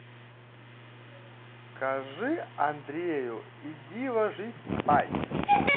скажи андрею иди ложись спать